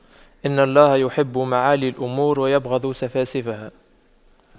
إن الله يحب معالي الأمور ويبغض سفاسفها